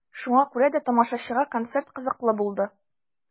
Шуңа күрә дә тамашачыга концерт кызыклы булды.